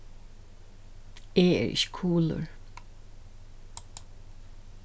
eg eri ikki kulur